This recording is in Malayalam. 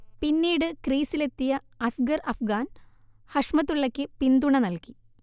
പിന്നീട് ക്രീസിലെത്തിയ അസ്ഗർ അഫ്ഗാൻ, ഹഷ്മതുള്ളയക്ക് പിന്തുണ നൽകി